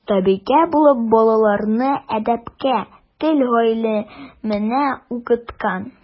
Остабикә булып балаларны әдәпкә, тел гыйлеменә укыткан.